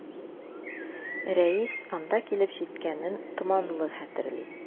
Рәис анда килеп җиткәнен томанлы хәтерли.